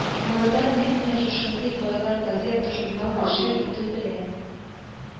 Нарда нәкъ менә шушындый байлар газета-журнал нәшер итү белән